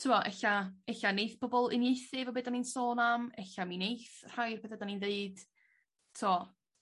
t'mo' ella ella neith pobol uniaethu 'fo be' 'dyn ni'n sôn am ella mi' neith rhai o'r petha 'dan ni'n ddeud t'o'